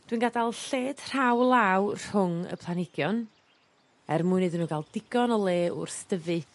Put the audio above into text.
Dwi'n gadal lled rhaw law rhwng y planhigion er mwyn iddyn n'w ga'l digon o le wrth dyfu.